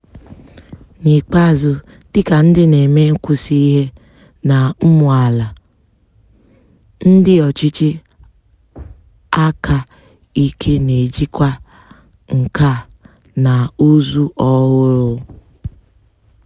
N'ikpeazụ, dịka ndị na-eme nkwusa ihe na ụmụ amaala, ndị ọchịchị aka ike na-ejikwa nkà na ụzụ ọhụrụ.